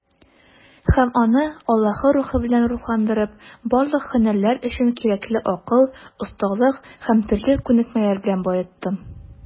Һәм аны, Аллаһы Рухы белән рухландырып, барлык һөнәрләр өчен кирәкле акыл, осталык һәм төрле күнекмәләр белән баеттым.